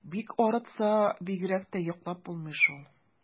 Бик арытса, бигрәк тә йоклап булмый шул.